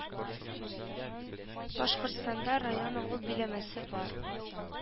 Башкортстанда район авыл биләмәсе бар